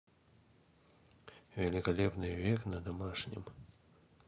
великолепный век на домашнем